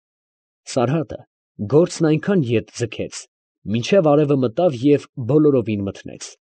Սարհատը գործն այնքան ետ ձգեց, մինչև արևը մտավ և բոլորովին մթնեց։